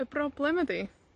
Y broblem ydi,